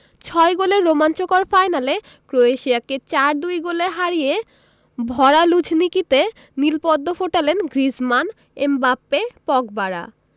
ছয় গোলের রোমাঞ্চকর ফাইনালে ক্রোয়েশিয়াকে ৪ ২ গোলে হারিয়ে ভরা লুঝনিকিতে নীল পদ্ম ফোটালেন গ্রিজমান এমবাপ্পে পগবারা